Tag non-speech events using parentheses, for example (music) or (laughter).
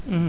(hesitation) (hesitation)